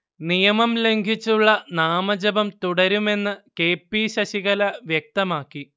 നിയമം ലംഘിച്ചുള്ള നാമജപം തുടരുമെന്ന് കെ പി ശശികല വ്യക്തമാക്കി